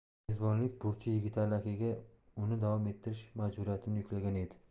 mezbonlik burchi yigitali akaga uni davom ettirish majburiyatini yuklagan edi